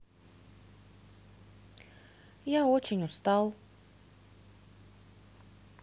я очень устал